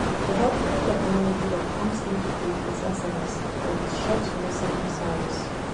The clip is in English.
The helpful technology that comes into play is SMS (Short Messaging Service).